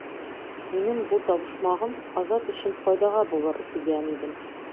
Минем бу табышмагым Азат өчен файдага булыр дигән идем.